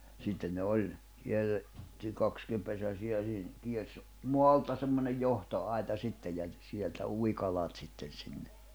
sitten ne oli - kierretty kaksipesäisiä siinä kiersi maalta semmoinen johtoaita sitten ja sieltä ui kalat sitten sinne